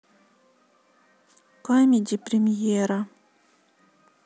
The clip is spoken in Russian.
камеди премьера